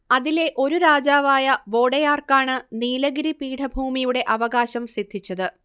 അതിലെ ഒരു രാജാവായ വോഡെയാർക്കാണ് നീലഗിരി പീഠഭൂമിയുടെ അവകാശം സിദ്ധിച്ചത്